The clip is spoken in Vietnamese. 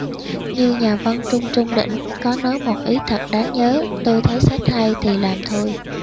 như nhà văn trung trung đỉnh có nói một ý thật đáng nhớ tôi thấy sách hay thì làm thôi